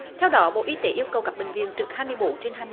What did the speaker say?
theo đó bộ y tế yêu cầu các bệnh viện trực hai mươi bốn trên hai